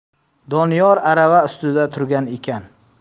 doniyor arava ustida turgan ekan